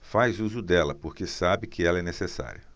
faz uso dela porque sabe que ela é necessária